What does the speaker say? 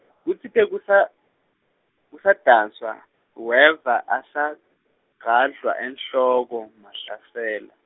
kutsite kusa kusadanswa weva asagadlwa enhloko Mahlasela.